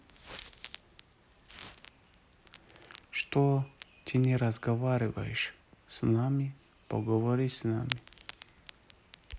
что ты не разговариваешь с нами поговори с нами